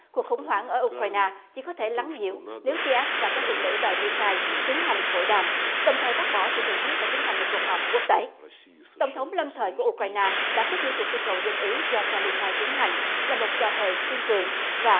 cuộc khủng hoảng ở u cai na chỉ có thể lắng dịu nếu ki ép và các phần tử đòi ly khai tiến hành hội đàm đồng thời bác bỏ sự cần thiết phải tiến hành một cuộc họp quốc tế tổng thống lâm thời của u cai na đã kích những cuộc trưng cầu dân ý do phe ly khai tiến hành là một trò hề tuyên truyền và